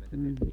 mm